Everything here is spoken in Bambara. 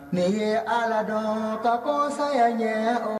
Ne ye ala dɔn ka kosanya n ɲɛ